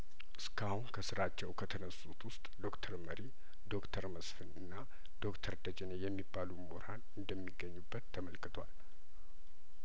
እስካሁን ከስራቸው ከተነሱት ውስጥ ዶክተር መሪ ዶክተር መስፍን እና ዶክተር ደጀኔ የሚባሉ ምሁራን እንደሚገኙበት ተመልክቷል